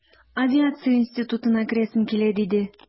Авиация институтына керәсем килә, диде...